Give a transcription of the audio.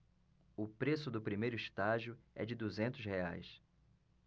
o preço do primeiro estágio é de duzentos reais